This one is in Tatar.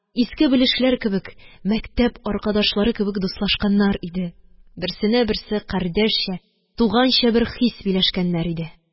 Иске белешләр кебек, мәктәп аркадашлары кебек дуслашканнар иде, берсенә берсе кардәшчә, туганча бер хис биләшкәннәр иде